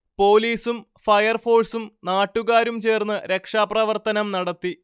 പോലീസും ഫയർഫോഴ്സും നാട്ടുകാരും ചേർന്ന് രക്ഷാപ്രവർത്തനം നടത്തി